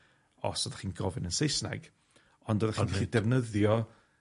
os oddach chi'n gofyn yn Saesneg, ond oeddach chi'n gellu defnyddio